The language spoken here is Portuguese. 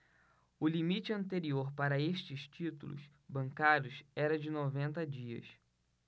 o limite anterior para estes títulos bancários era de noventa dias